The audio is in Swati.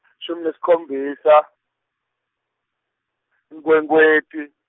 lishumi nesikhombisa, iNkhwekhweti.